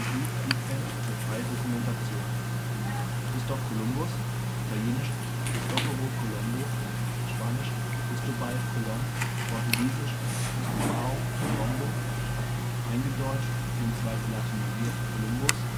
GNU Lizenz für freie Dokumentation. Datei:Christoph columbus.jpg Christoph Columbus - Gemälde von Sebastiano del Piombo (1529-1530) Christoph Kolumbus (ital. Cristoforo Colombo, span. Cristóbal Colón, port. Cristovão Colombo, eingedeutscht (bzw. latinisiert) Kolumbus